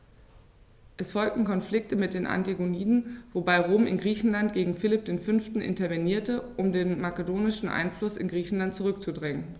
Es folgten Konflikte mit den Antigoniden, wobei Rom in Griechenland gegen Philipp V. intervenierte, um den makedonischen Einfluss in Griechenland zurückzudrängen.